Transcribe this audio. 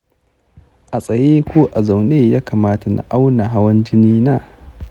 a tsaye ko a zaune ya kamata na auna hawan jini na?